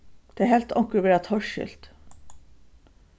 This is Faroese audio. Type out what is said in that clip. tað helt onkur vera torskilt